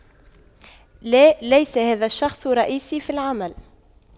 لا ليس هذا الشخص رئيسي في العمل